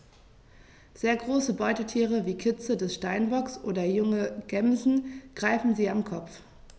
Sehr große Beutetiere wie Kitze des Steinbocks oder junge Gämsen greifen sie am Kopf.